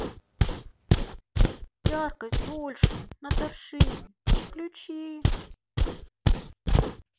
яркость большую на торшере включи